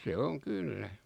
se on kyllä